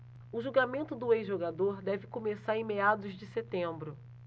o julgamento do ex-jogador deve começar em meados de setembro